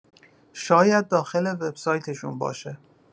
شاید داخل وبسایتشون باشه.